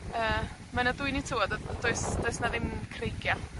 yy, mae 'na dwyni tywod ond does, does 'na ddim creigia.